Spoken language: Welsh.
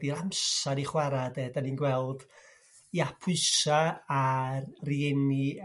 'di'r amsar i chwara' 'de dan ni'n gweld ia pwysa' a rieni